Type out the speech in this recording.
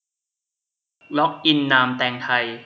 ล็อกอินนามแตงไทย